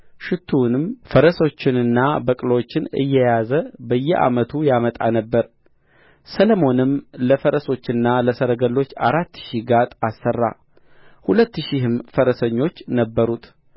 ሽቱውንም ፈረሶችንና በቅሎችን እየያዘ በየዓመቱ ያመጣ ነበር ሰሎሞንም ለፈረሶችና ለሰረገሎች አራት ሺህ ጋጥ አሥራ ሁለት ሺህም ፈረሰኞች ነበሩት